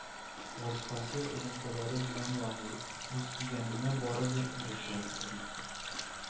Вазифасы, элемтәләре белән яный, үз дигәнемә барыбер ирешәм, ди